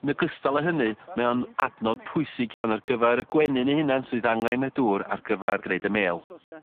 Yn ogystal â hynny mae o'n adnodd pwysig iawn ar gyfar y gwenyn eu hunan sydd angen y dŵr ar gyfar gneud y mêl.